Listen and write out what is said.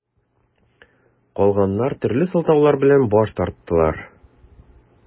Калганнар төрле сылтаулар белән баш тарттылар.